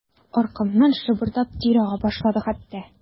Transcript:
Аркамнан шабырдап тир ага башлады хәтта.